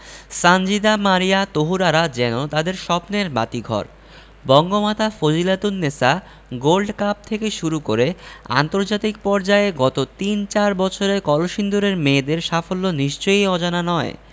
সানজিদা মারিয়া তহুরারা যেন তাদের স্বপ্নের বাতিঘর বঙ্গমাতা ফজিলাতুন্নেছা গোল্ড কাপ থেকে শুরু করে আন্তর্জাতিক পর্যায়ে গত তিন চার বছরে কলসিন্দুরের মেয়েদের সাফল্য নিশ্চয়ই অজানা নয়